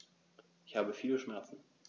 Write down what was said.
Ich habe viele Schmerzen.